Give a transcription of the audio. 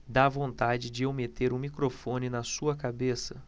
dá vontade de eu meter o microfone na sua cabeça